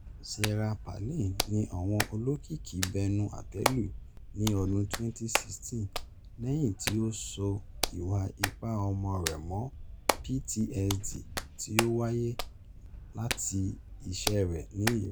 Sarah Palin ní àwọn olókìkí bẹnu àtẹ́ lu ní ọdún 2016 lẹyìn tí ó sọ ìwà-ìpá ọmọ rẹ̀ mọ PTSD tí ó wáyé láti iṣẹ rẹ̀ ní Iraq.